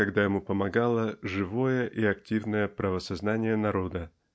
когда ему помогало живое и активное правосознание народа.